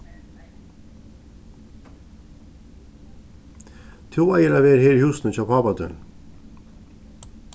tú eigur at vera her í húsunum hjá pápa tínum